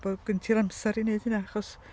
Bod gen ti'r amser i wneud hynna? Achos...